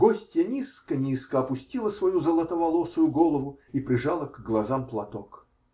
Гостья низко-низко опустила свою золотоволосую голову и прижала к глазам платок.